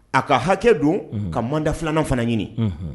A ka hakɛ don ka mandat 2nan fana ɲini.